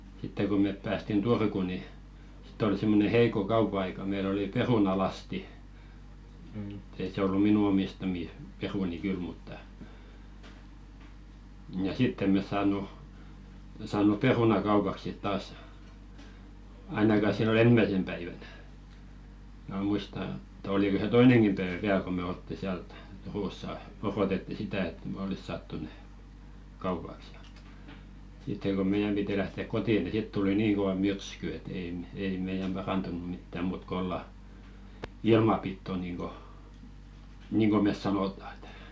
sitten kun me päästiin Turkuun niin sitten oli semmoinen heikko kauppa-aika meillä oli perunalasti mutta ei se ollut minun omistamia perunoita kyllä mutta ja sitten emme me saanut saanut perunaa kaupaksi sitten taas ainakaan silloin ensimmäisenä päivänä minä muista että oliko se toinenkin päivä vielä kun me oltiin siellä - Turussa odotettiin sitä että me olisi saatu ne kaupaksi ja sitten kun meidän piti lähteä kotiin niin sitten tuli niin kova myrsky että ei - ei meidän parantunut mitään muuta kuin olla ilman pitoa niin kuin niin kuin me sanotaan että